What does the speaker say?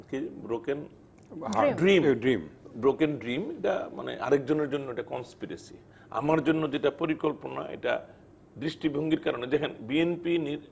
কি জানি broken dream broken dream মানে আরেকজন এর জন্য এটা কন্সপিরেসি আমার জন্য যেটা পরিকল্পনা এটা দৃষ্টিভঙ্গির কারণে দেখেন বিএনপি